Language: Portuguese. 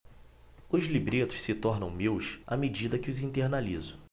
os libretos se tornam meus à medida que os internalizo